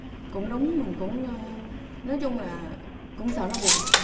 cũng đúng mình cũng nói chung là cũng sợ nó buồn